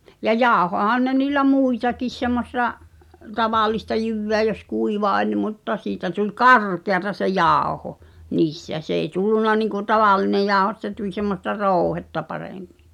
ja jauhoihan ne niillä muitakin semmoista tavallista jyvää jos kuiva oli mutta siitä tuli karkeata se jauho niistä se ei tullut niin kuin tavallinen jauho mutta se tuli semmoista rouhetta paremmin